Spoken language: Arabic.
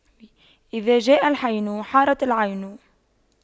إذا جاء الحين حارت العين